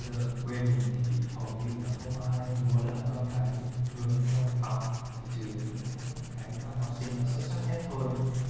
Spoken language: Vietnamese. cho nên bây giờ ở quê mọi người không muốn con cái hướng theo việc học chỉ trừ những học sinh xuất sắc nhất